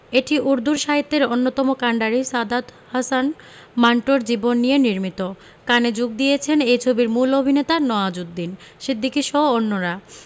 এটি উর্দু সাহিত্যের অন্যতম কান্ডারি সাদাত হাসান মান্টোর জীবন নিয়ে নির্মিত কানে যোগ দিয়েছেন এ ছবির মূল অভিনেতা নওয়াজুদ্দিন সিদ্দিকীসহ অন্যরা